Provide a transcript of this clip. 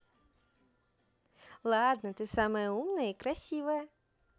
ладно ты самая умная и красивая